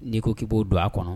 N'i ko k' b'o don a kɔnɔ